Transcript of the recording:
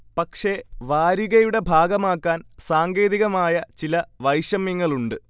പക്ഷെ വാരികയുടെ ഭാഗമാക്കാൻ സാങ്കേതികമായ ചില വൈഷമ്യങ്ങളുണ്ട്